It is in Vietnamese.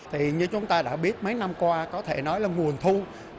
thì như chúng ta đã biết mấy năm qua có thể nói là nguồn thu